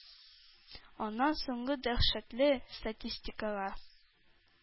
Аннан соңгы дәһшәтле статистикага,